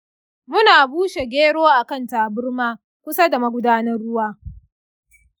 muna bushe gero a kan tabarma kusa da magudanar ruwa.